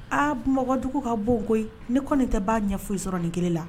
Aa Bamakɔ dugu ka bɔ koyi, ne kɔni nin tɛ b'a ɲɛ fɔsi sɔrɔ nin kelen na!